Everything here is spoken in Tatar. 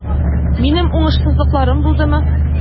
Минем уңышсызлыкларым булдымы?